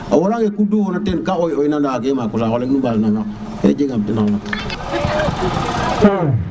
a wora nge ku dufona teen ka xoy xoy na nda waage makola nu mbasa naam xaq ke jeg um ka ley ma